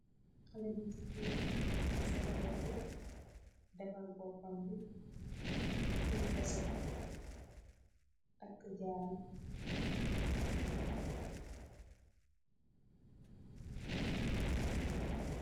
Haleh bu jigeen bu sol robbu, dehfaar bopam bi, tiyeh posehtt takku jarruu